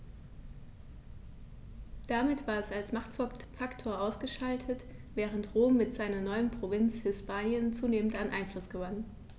Damit war es als Machtfaktor ausgeschaltet, während Rom mit seiner neuen Provinz Hispanien zunehmend an Einfluss gewann.